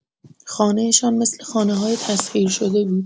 خانه‌شان مثل خانه‌های تسخیرشده بود.